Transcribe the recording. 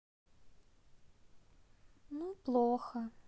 ну плохо